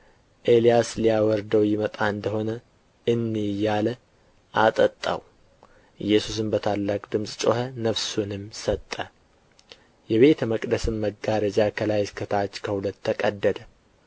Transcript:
ኤልያስ ሊያወርደው ይመጣ እንደ ሆነ እንይ እያለ አጠጣው ኢየሱስም በታላቅ ድምፅ ጮኸ ነፍሱንም ሰጠ የቤተ መቅደስም መጋረጃ ከላይ እስከ ታች ከሁለት ተቀደደ